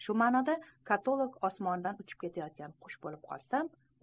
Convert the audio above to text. shu ma'noda katolik osmonidan uchib o'tayotgan qush bo'lib qolsam